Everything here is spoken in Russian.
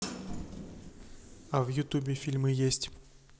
а в ютубе фильмы есть